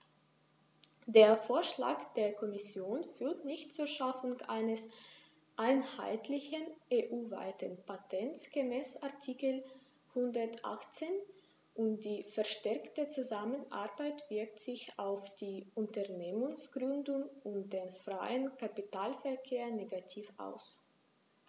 Der Vorschlag der Kommission führt nicht zur Schaffung eines einheitlichen, EU-weiten Patents gemäß Artikel 118, und die verstärkte Zusammenarbeit wirkt sich auf die Unternehmensgründung und den freien Kapitalverkehr negativ aus.